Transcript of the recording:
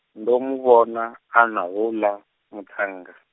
ndo muvhona, ana houḽa, muṱhannga.